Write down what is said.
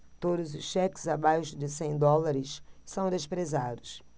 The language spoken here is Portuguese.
todos os cheques abaixo de cem dólares são desprezados